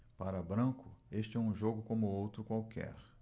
para branco este é um jogo como outro qualquer